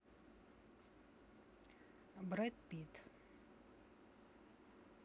брэд питт